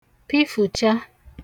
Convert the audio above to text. pifùcha